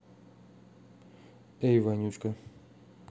эй вонючка